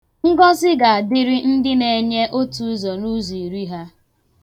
Ngozi ga-adịrị ndị na-enye otuuzọ nụụzọ iri ha.